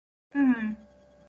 Hmm